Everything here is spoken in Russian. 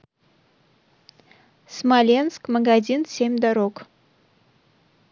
смоленск магазин семь дорог